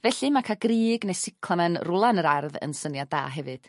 felly ma' ca'l gryg neu cyclemen rwla yn yr ardd yn syniad da hefyd.